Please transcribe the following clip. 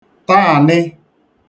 tàànị